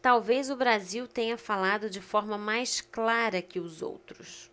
talvez o brasil tenha falado de forma mais clara que os outros